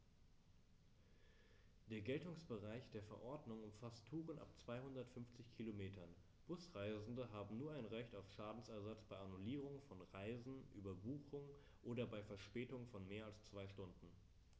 Der Geltungsbereich der Verordnung umfasst Touren ab 250 Kilometern, Busreisende haben nun ein Recht auf Schadensersatz bei Annullierung von Reisen, Überbuchung oder bei Verspätung von mehr als zwei Stunden.